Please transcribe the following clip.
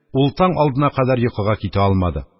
Ул таң алдына кадәр йокыга китә алмады.